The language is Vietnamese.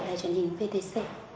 truyền hình vê tê xê